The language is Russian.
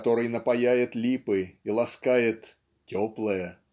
который напояет липы и ласкает "теплое